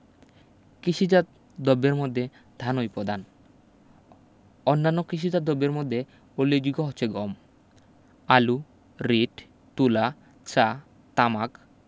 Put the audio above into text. কিষিজাত দ্রব্যের মধ্যে ধানই প্রধান অন্যান্য কিষিজাত দ্রব্যের মধ্যে উল্লেখযোগ্য হচ্ছে গম আলু রীট তুলা চা তামাক